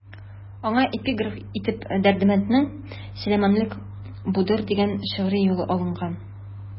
Аңа эпиграф итеп Дәрдмәнднең «Сөләйманлык будыр» дигән шигъри юлы алынган.